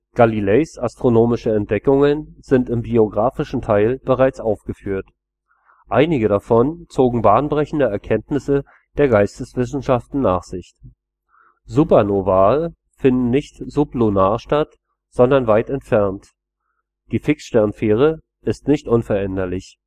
Galileis astronomische Entdeckungen sind im biografischen Teil bereits aufgeführt. Einige davon zogen bahnbrechende Erkenntnisse der Geisteswissenschaften nach sich: Supernovae finden nicht sublunar statt, sondern weit entfernt: Die Fixsternsphäre ist nicht unveränderlich